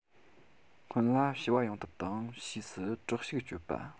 སྔོན ལ ཞི བ ཡོང ཐབས དང ཕྱིས སུ དྲག ཤུགས སྤྱོད པ